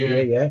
Ie ie.